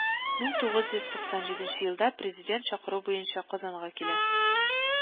Мең тугыз йөз туксан җиденче елда президент чакыруы буенча казанга килә